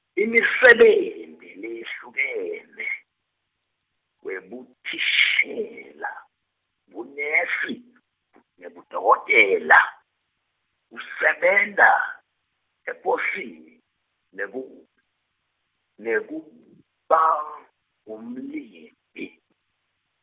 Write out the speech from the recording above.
imisebenti leyehlukene, webuthishela, bunesi , nebudokotela, kusebenta, eposini, nebu- , nekubangumlimi.